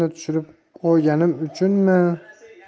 oynasini tushirib qo'yganim uchunmi